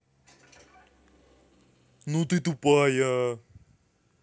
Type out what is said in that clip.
ну ты тупая